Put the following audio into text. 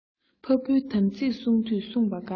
ཕ བུའི དམ ཚིག བསྲུང དུས བསྲུངས པ དགའ